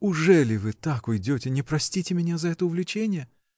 — Ужели вы так уйдете, не простите меня за это увлечение?.